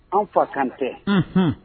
An fa kan tɛ h